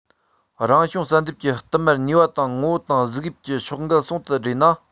རང བྱུང བསལ འདེམས ཀྱི བསྟུད མར ནུས པ དང ངོ བོ དང གཟུགས དབྱིབས ཀྱི ཕྱོགས འགལ ཟུང དུ སྦྲེལ ན